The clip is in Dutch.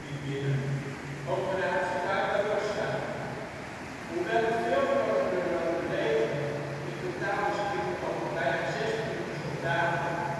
binnen (Operatie Barbarossa). Hoewel het veel grotere Rode leger in totaal beschikte over bijna zes miljoen soldaten